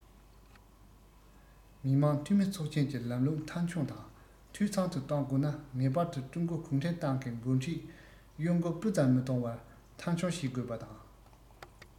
མི དམངས འཐུས མི ཚོགས ཆེན གྱི ལམ ལུགས མཐའ འཁྱོངས དང འཐུས ཚང དུ གཏོང དགོས ན ངེས པར དུ ཀྲུང གོ གུང ཁྲན ཏང གི འགོ ཁྲིད གཡོ འགུལ སྤུ ཙམ མི གཏོང བར མཐའ འཁྱོངས བྱེད དགོས པ དང